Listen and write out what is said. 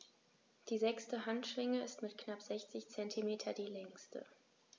Die sechste Handschwinge ist mit knapp 60 cm die längste.